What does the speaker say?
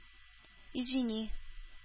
Извини